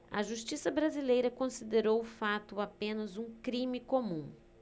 a justiça brasileira considerou o fato apenas um crime comum